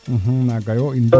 naga yo